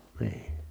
niin